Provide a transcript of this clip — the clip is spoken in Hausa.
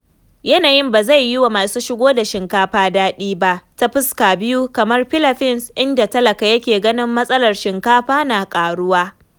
Yanayin ba zai yi wa masu shigo da shinkafa daɗi ba ta fuskoki biyu kamar Philippines, inda talaka yake ganin matsalar shinkafa na ƙaruwa.